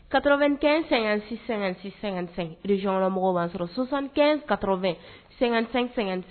Kat-ɛn----sɛ zyɔnmɔgɔ b'a sɔrɔsanɛn-ka--sɛ